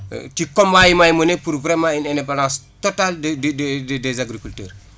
ci combats yi may mener pour vraiment indi indépendance totale du du du du des agriculteurs